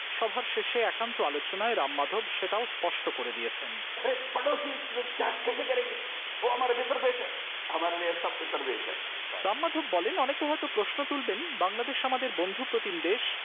সভার শেষে একান্ত আলোচনায় রাম মাধব সেটাও স্পষ্ট করে দিয়েছেন আরে ক্যাসে কারেংগে ভো হামারে মিত্র দেশ হ্যা হামারে লিয়ে সাব মিত্র দেশ হ্যা রাম মাধব বলেন অনেকে হয়তো প্রশ্ন তুলবেন বাংলাদেশ আমাদের বন্ধু প্রতিম দেশ